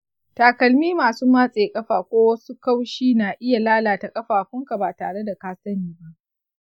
takalmi masu matse ƙafa ko masu kaushi na iya lalata ƙafafunka ba tare da ka sani ba.